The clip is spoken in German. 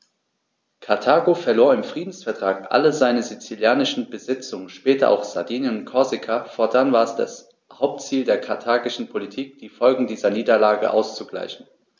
Karthago verlor im Friedensvertrag alle seine sizilischen Besitzungen (später auch Sardinien und Korsika); fortan war es das Hauptziel der karthagischen Politik, die Folgen dieser Niederlage auszugleichen.